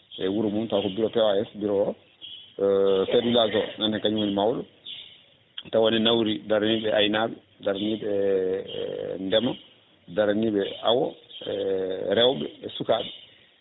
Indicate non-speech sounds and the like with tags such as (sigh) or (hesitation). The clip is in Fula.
e wuuro mum taw ko bureau PAS bureau (hesitation) chef de village onne kañumne wooni mawɗo tawa ne nawri daraniɓe aynaɓe daraniɓe (hesitation) ndeema daraniɓe aawo e rewɓe e sukaɓe